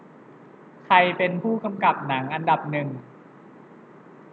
ใครเป็นผู้กำกับหนังอันดับหนึ่ง